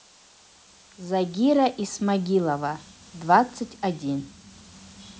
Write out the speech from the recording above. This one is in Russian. загира исмагилова двадцать один